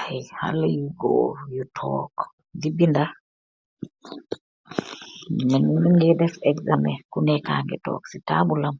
Aii haleeh yu goor , yu toog di bi daah , num yukeh def exameh guuh nekaah keeh toog si tabulaam